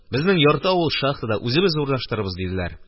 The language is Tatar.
Безнең ярты авыл шахтада, үзебез урнаштырырбыз, диделәр.